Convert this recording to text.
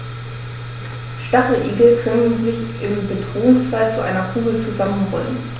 Stacheligel können sich im Bedrohungsfall zu einer Kugel zusammenrollen.